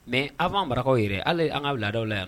Mɛ aw'an marakaw yɛrɛ an ka laadada la yan